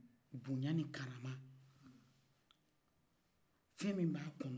boɲan ni karama fɛmi b'a kɔnɔ